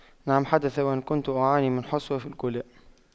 نعم حدث وان كنت أعاني من حصوة في الكلى